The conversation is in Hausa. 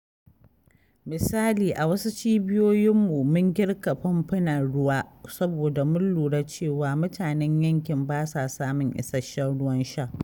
Misali, a wasu cibiyoyinmu, mun girka famfunan ruwa saboda mun lura cewa mutanen yankin ba sa samun isasshen ruwan sha.